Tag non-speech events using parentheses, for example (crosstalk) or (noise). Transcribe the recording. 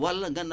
(hesitation) (hesitation)